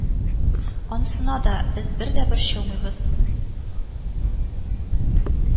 Анысына да без бер дә борчылмыйбыз